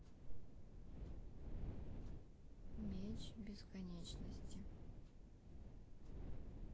меч бесконечности